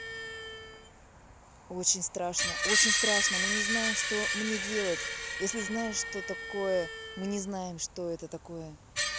очень страшно очень страшно мы не знаем что мне делать если знаешь что такое мы не знаем что это такое